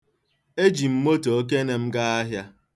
Eji m moto okene m gaa ahịa.